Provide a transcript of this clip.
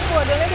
của đường lên